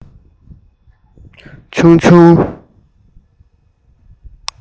ཆུང ཆུང